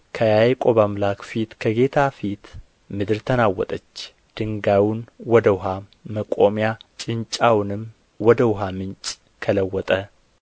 ከያዕቆብ አምላክ ፊት ከጌታ ፊት ምድር ተናወጠች ድንጋዩን ወደ ውኃ መቆሚያ ጭንጫውንም ወደ ውኃ ምንጭ ከለወጠ